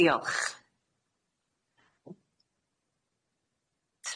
Diolch.